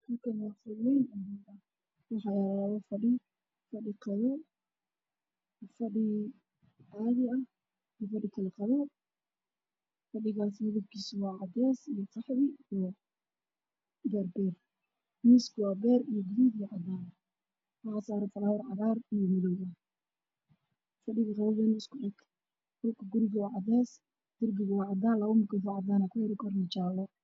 Miisaan haga muuqdo fadhi qurux badan oo kalarkiisu yahay guduud iyo caddaan waxaa dul saaran ubax